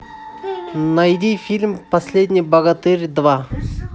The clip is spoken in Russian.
найди фильм последний богатырь два